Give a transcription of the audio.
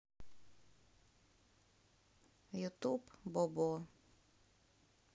ютуб бобо